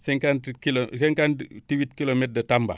cinquante kilo cinquante huit kilomètres de Tamba